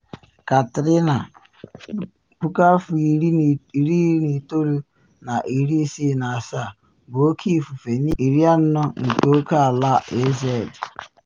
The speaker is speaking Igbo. Katrina (1967) bụ oke ifufe n’ime maịlụ 40 nke oke ala AZ.”